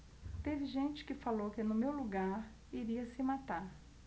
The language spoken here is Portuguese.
teve gente que falou que no meu lugar iria se matar